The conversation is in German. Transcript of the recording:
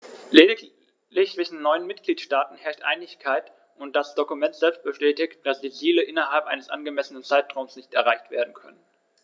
Lediglich zwischen neun Mitgliedsstaaten herrscht Einigkeit, und das Dokument selbst bestätigt, dass die Ziele innerhalb eines angemessenen Zeitraums nicht erreicht werden können.